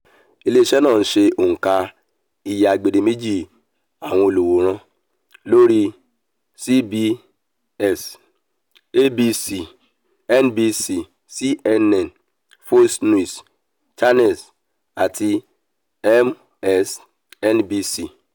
Ilé-iṣẹ́ náà ńṣe òǹka iye agbedeméjì àwọn olùwòran lórí CBS, ABC, NBC, CNN, Fox News, Channel àti MSNBC.